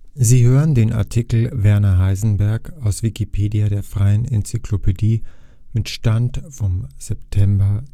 Sie hören den Artikel Werner Heisenberg, aus Wikipedia, der freien Enzyklopädie. Mit dem Stand vom Der